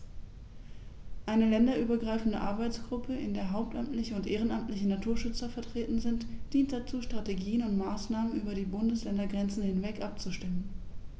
Eine länderübergreifende Arbeitsgruppe, in der hauptamtliche und ehrenamtliche Naturschützer vertreten sind, dient dazu, Strategien und Maßnahmen über die Bundesländergrenzen hinweg abzustimmen.